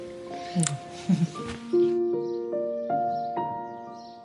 Hmm.